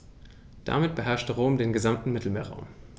Damit beherrschte Rom den gesamten Mittelmeerraum.